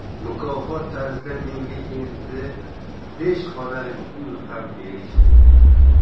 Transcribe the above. mukofot tarzida menga endi besh xonalik uy ham berishdi